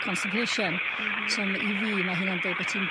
constipation. M-hm. So ma' i fi ma' hynna'n deud bo' ti'n